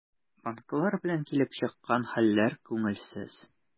Банклар белән килеп чыккан хәлләр күңелсез.